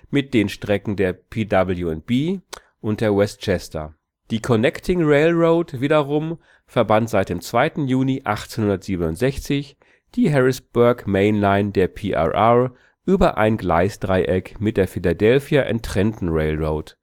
mit den Strecken der PW&B und der West Chester. Die Connecting Railroad wiederum verband seit dem 2. Juni 1867 die Harrisburg Main Line der PRR über ein Gleisdreieck mit der Philadelphia and Trenton Railroad